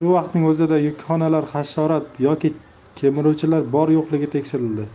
shu vaqtning o'zida yukxonalar hasharot yoki kemiruvchilar bor yo'qligiga tekshirildi